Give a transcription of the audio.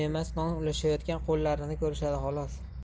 emas non ulashayotgan qo'llarini ko'rishadi xolos